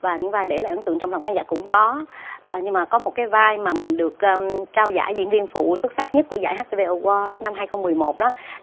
và những vai để lại ấn tượng trong lòng khán giả cũng có nhưng mà có một cái vai mà mình được trao trao giải diễn viên phụ xuất sắc nhất của giải hát tê vê ờ goa cái năm hai không mười một đó